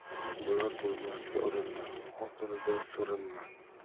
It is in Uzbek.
bo'lar bo'lmasga urinma oxirida surinma